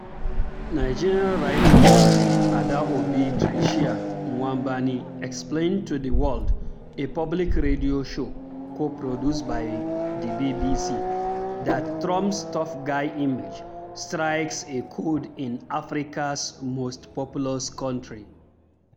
Nigerian writer Adaobi Tricia Nwaubani explained to The World, a public radio show co-produced by the BBC, that Trump's "tough guy image" strikes a chord in Africa's most populous country: